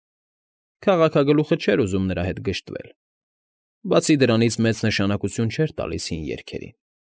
Քաղաքագլուխը չէր ուզում նրա հետ գժտվել, բացի դրանից մեծ նշանակություն չէր տալիս հին երգերին։